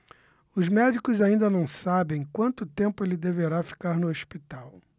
os médicos ainda não sabem quanto tempo ele deverá ficar no hospital